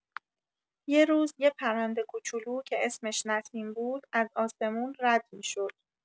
یه روز، یه پرنده کوچولو که اسمش نسیم بود، از آسمون رد می‌شد.